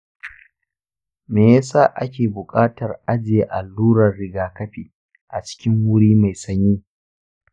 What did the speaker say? me yasa ake bukatar ajiye alluran rigakafi a cikin wuri mai sanyi?